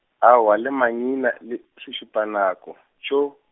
aowa le mangina le sešupanako, yo?